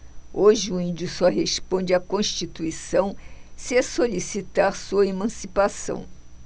hoje o índio só responde à constituição se solicitar sua emancipação